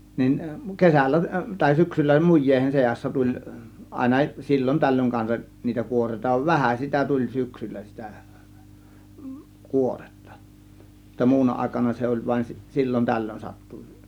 niin kesällä tai syksyllä muiden seassa tuli aina silloin tällöin kanssa niitä kuoreita vähän sitä tuli syksyllä sitä kuoretta jotta muuna aikana se oli vain - silloin tällöin sattui